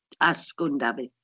Asgwrn Dafydd!